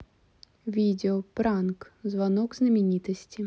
видео пранк звонок знаменитости